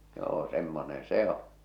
joo semmoinen se on